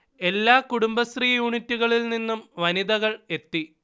എല്ലാ കുടുംബശ്രീ യൂണിറ്റുകളിൽ നിന്നും വനിതകൾ എത്തി